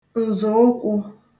ǹzọ̀ụkwụ̄